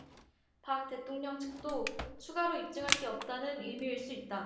박 대통령 측도 추가로 입증할 게 없다는 의미일 수 있다